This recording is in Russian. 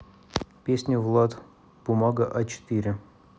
песня влад бумага а четыре